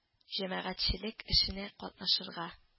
Җәмәгатьчелек эшенә катнашырга